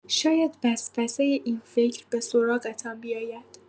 شاید وسوسه این فکر به سراغتان بیاید.